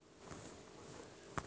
фильм о золотой рыбке